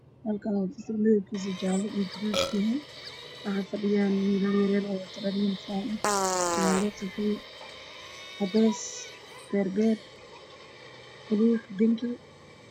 Beeshan oo maal dugsi ah waxaa kusoo reer saddex wiil waxay wataan shaati jaale ah naadiga iyo fanaanka ah waxayna fadhiyaan kursi